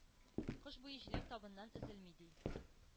Кыш буе җиләк табыннан өзелми”, – ди